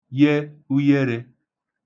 ye uyerē